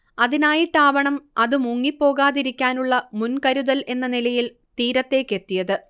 അതിനായിട്ടാവണം അത് മുങ്ങിപ്പോകാതിരിക്കാനുള്ള മുൻകരുതൽ എന്ന നിലയിൽ തീരത്തേക്കെത്തിയത്